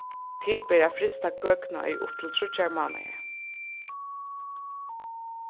til ber at frysta køkuna í upp til tríggjar mánaðar